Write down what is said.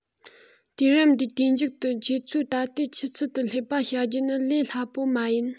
དུས རབས འདིའི དུས མཇུག ཏུ ཁྱེད ཚོའི ད ལྟའི ཆུ ཚད དུ སླེབས པ བྱ རྒྱུ ནི ལས སླ པོ མ ཡིན